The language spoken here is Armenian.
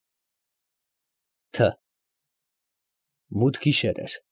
Թ Մութ գիշեր էր։